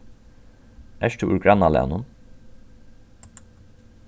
ert tú úr grannalagnum